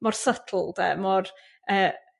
mor subtle 'de mor yy